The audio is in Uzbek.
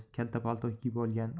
kalta palto kiyib olgan